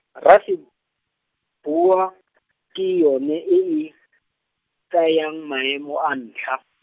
Raseboa, ke yone e e, tsayang maemo a ntlha.